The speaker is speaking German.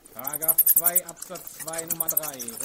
§ 2 Abs. 2 Nr. 3